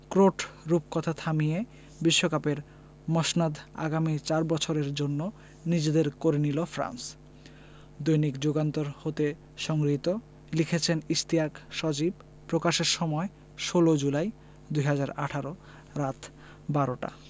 Croat রূপকথা থামিয়ে বিশ্বকাপের মসনদ আগামী চার বছরের জন্য নিজেদের করে নিল ফ্রান্স দৈনিক যুগান্তর হতে সংগৃহীত লিখেছেন ইশতিয়াক সজীব প্রকাশের সময় ১৬ জুলাই ২০১৮ রাত ১২টা